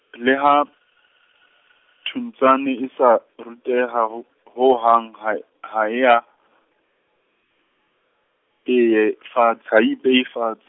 le ha Thuntshane e sa ruteha ho, hohang, ha y-, ha Iya, peye fats-, ha I peye fatshe.